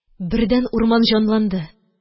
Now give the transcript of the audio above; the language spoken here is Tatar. Бердән урман җанланды.